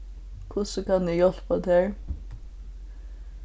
hvussu kann eg hjálpa tær